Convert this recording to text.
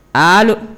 Aali